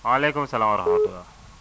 waaleykum salaam wa rahmatulah